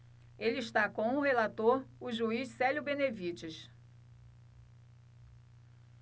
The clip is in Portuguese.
ele está com o relator o juiz célio benevides